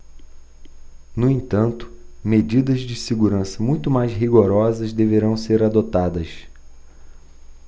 no entanto medidas de segurança muito mais rigorosas deverão ser adotadas